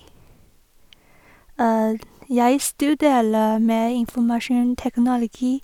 Jeg studerer med informasjonsteknologi.